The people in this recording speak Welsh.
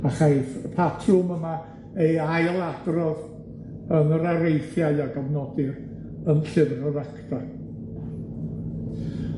A chaiff y patrwm yma ei ailadrodd yn yr areithiau a gofnodir yn Llyfr yr Actau.